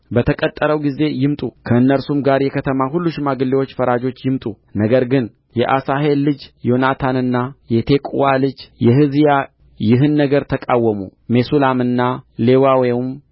በተቀጠረው ጊዜ ይምጡ ከእነርሱም ጋር የከተማ ሁሉ ሽማግሌዎችና ፈራጆች ይምጡ ነገር ግን የአሣሄል ልጅ ዮናታንና የቴቁዋ ልጅ የሕዝያ ይህን ነገር ተቃወሙ ሜሱላምና ሌዋዊውም